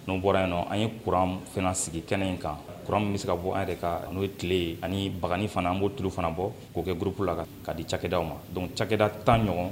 N'o bɔra yen an ye kuran f sigi kɛnɛ in kan kuran min bɛ se ka bɔ an yɛrɛ n'o ye tile ani bagan fana an b'o tuuru fana bɔ k'o kɛ gurup la ka di cakɛdaw ma don cakɛda tan ɲɔgɔn